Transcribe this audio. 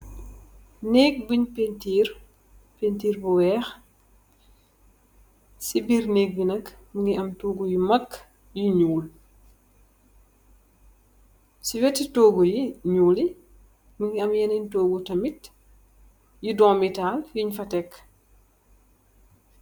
Neek bunj paintirr, paintirr bu wekh si bir neek binak munge am tugoh yumak yu nyul si wetih tugoh u yu nyul amna yenen tugoh yu duum taal yufa nekeh